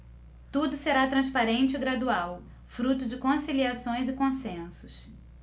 tudo será transparente e gradual fruto de conciliações e consensos